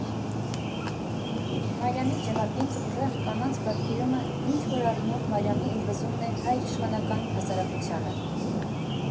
Մարիամի ջլապինդ, ուժեղ կանանց պատկերումը ինչ֊որ առումով Մարիամի ընդվզումն է հայրիշխանական հասարակությանը.